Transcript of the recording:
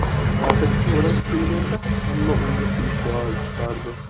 odatda vrach kelganda hamma unga peshvoz chiqardi